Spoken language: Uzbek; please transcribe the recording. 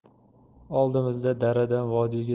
oldimizda daradan vodiyga